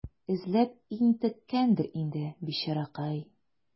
Эзләп интеккәндер инде, бичаракай.